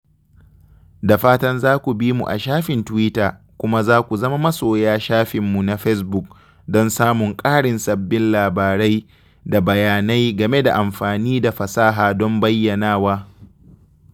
Da fatan za ku bi mu a shafin Twitter kuma za ku zama masoya shafinmu na Facebook don samun ƙarin sabbin labarai da bayanai game da amfani da fasaha don bayyanawa.